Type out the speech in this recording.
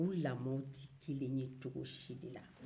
u lamow tɛ kelen ye cogo si de la